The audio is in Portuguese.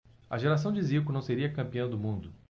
a geração de zico não seria campeã do mundo